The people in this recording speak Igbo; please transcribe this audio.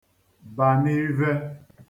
bà n'ive